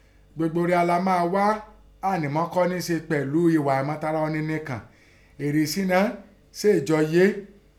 Gbogbo ria la máa ghá ìnọn ànẹ́mọ́ kọ́ nẹ́ẹ́ í se pẹ̀lú ẹ̀ghà ẹ̀mọtara ọni nìkàn, ẹ̀rísí rian sèè jọ yèé.